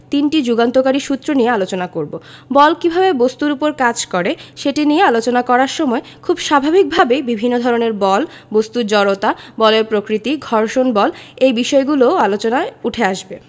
তিনটি যুগান্তকারী সূত্র নিয়ে আলোচনা করব বল কীভাবে বস্তুর উপর কাজ করে সেটি নিয়ে আলোচনা করার সময় খুব স্বাভাবিকভাবেই বিভিন্ন ধরনের বল বস্তুর জড়তা বলের প্রকৃতি ঘর্ষণ বল এই বিষয়গুলোও আলোচনায় উঠে আসবে